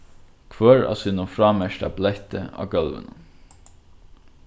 hvør á sínum frámerkta bletti á gólvinum